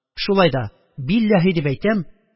Шулай да, билләһи дип әйтәм